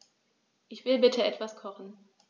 Ich will bitte etwas kochen.